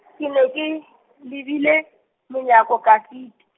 ke ne ke, lebile, monyako ka setu.